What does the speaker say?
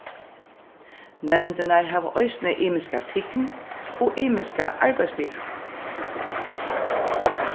nevndirnar hava eisini ymiska tign og ymiska arbeiðsbyrðu